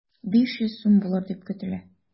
500 сум булыр дип көтелә.